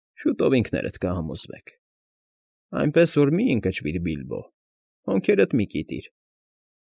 Շուտով ինքներդ կհամոզվեք։ Այնպես որ մի՛ ընկճվիր, Բիլբո, հոնքերդ մի՛ կիտիր։